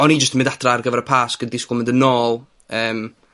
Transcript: oni jyst yn mynd adra ar gyfer y Pasg, yn disgwl mynd yn ôl, yym,